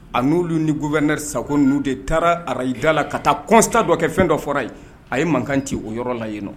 A n'uolu ni gubɛnɛ sa ko n' de taara araalida la ka taasa dɔ kɛ fɛn dɔ fɔra ye a ye mankan ci o yɔrɔ la yen